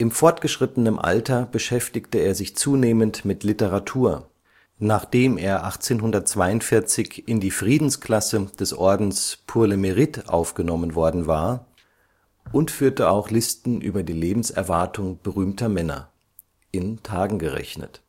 fortgeschrittenem Alter beschäftigte er sich zunehmend mit Literatur, nachdem er 1842 in die Friedensklasse des Ordens Pour le Mérite aufgenommen worden war, und führte auch Listen über die Lebenserwartung berühmter Männer (in Tagen gerechnet